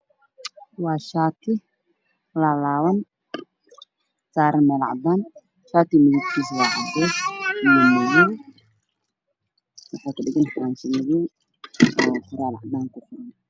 Waa shaati laalaaban saaran meel cadaan ah, kalarkiisu waa cadeys iyo madow oo qoraal cadaan ah kuqoran.